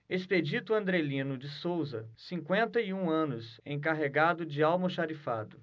expedito andrelino de souza cinquenta e um anos encarregado de almoxarifado